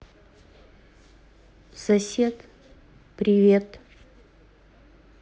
сосед привет